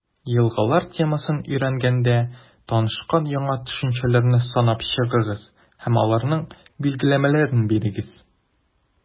«елгалар» темасын өйрәнгәндә танышкан яңа төшенчәләрне санап чыгыгыз һәм аларның билгеләмәләрен бирегез.